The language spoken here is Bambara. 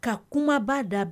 Ka kumaba da